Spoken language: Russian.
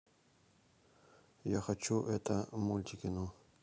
я хочу это мультики ну